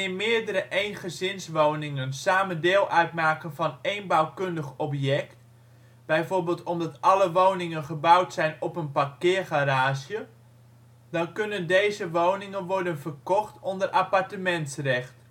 meerdere eengezinswoningen samen deel uitmaken van één bouwkundig object (bijvoorbeeld omdat alle woningen gebouwd zijn op een parkeergarage), dan kunnen deze woningen worden verkocht onder appartementsrecht